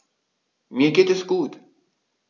Mir geht es gut.